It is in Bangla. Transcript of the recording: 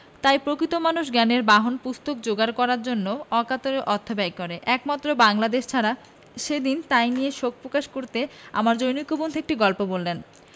তাই প্রকৃত মানুষ জ্ঞানের বাহন পুস্তক যোগাড় করার জন্য অকাতরে অর্থ ব্যয় করে একমাত্র বাঙলা দেশ ছাড়া সেদিন তাই নিয়ে শোকপ্রকাশ করাতে আমার জনৈক বন্ধু একটি গল্প বললেন